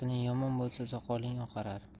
xotining yomon bo'lsa soqoling oqarar